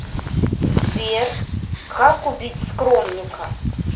сбер как убить скромника